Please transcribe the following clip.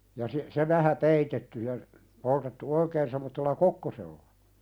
ja - se vähän peitetty ja poltettu oikein semmoisella kokkosella